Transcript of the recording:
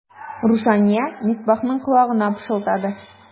Рушания Мисбахның колагына пышылдады.